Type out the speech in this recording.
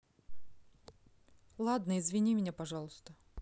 ладно извини меня пожалуйста